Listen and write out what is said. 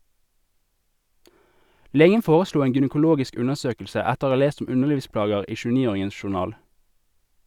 Legen foreslo en gynekologisk undersøkelse etter å ha lest om underlivsplager i 29-åringens journal.